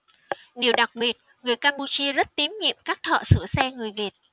điều đặc biệt người campuchia rất tín nhiệm các thợ sửa xe người việt